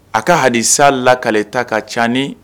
A ka halisa lakale ta ka ca